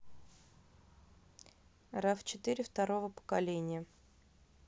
рав четыре второго поколения